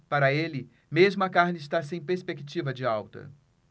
para ele mesmo a carne está sem perspectiva de alta